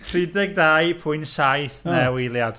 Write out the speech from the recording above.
tri deg dau pwynt saith naw eiliad.